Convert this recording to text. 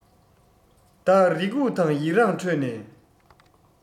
བདག རེ སྒུག དང ཡི རངས ཁྲོད ནས